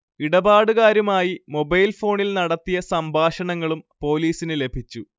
ഇടപാടുകാരുമായി മൊബൈൽഫോണിൽ നടത്തിയ സംഭാഷണങ്ങളും പോലീസിന് ലഭിച്ചു